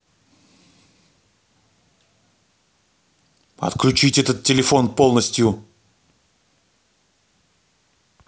отключить этот телефон полностью